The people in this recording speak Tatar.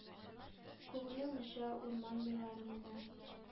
Күңелем оча, урман, буйларыңда,